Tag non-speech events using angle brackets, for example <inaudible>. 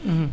<hesitation> <hesitation>